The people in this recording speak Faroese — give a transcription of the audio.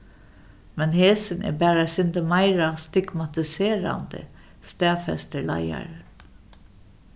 men hesin er bara eitt sindur meira stigmatiserandi staðfestir leiðarin